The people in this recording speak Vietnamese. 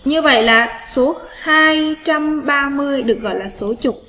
như vậy là số được gọi là số trực